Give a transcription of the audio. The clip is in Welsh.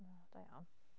O da iawn.